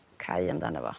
cau amdano fo.